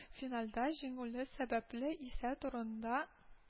Финальда җиңүле сәбәпле исә турында-